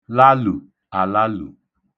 lalù (àlalù)